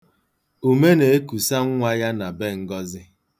Ume na-ekusa nwa ya na be Ngọzị.